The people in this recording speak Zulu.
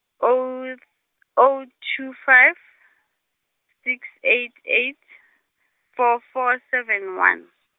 oh, oh, two five, six eight eight, four four seven one.